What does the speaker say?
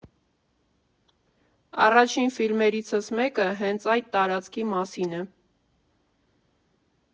Առաջին ֆիլմերիցս մեկը հենց այդ տարածքի մասին է։